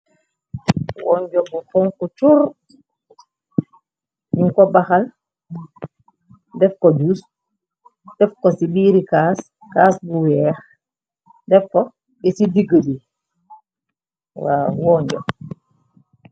Wonjo bu konku chur ñu ko baxal def ko jus def ko ci biiri caas bu weex def ko ci diggi bi wonjo.